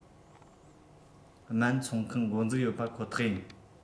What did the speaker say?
སྨན ཚོང ཁང འགོ འཛུགས ཡོད པ ཁོ ཐག ཡིན